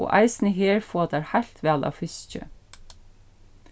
og eisini her fáa teir heilt væl av fiski